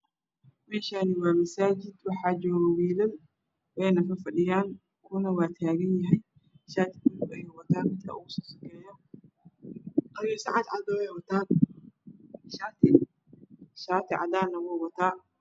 Meshan wa misaajid waxaa joogo wiilal wayna fa fadhiyaan kuna waa taganyahay shaar bulug ah ayu wataa midkan oogu soo sokeeyo qamiiso cad cad ayay watan shati cadaana wuu wataa